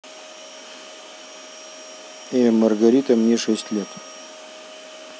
я маргарита мне шесть лет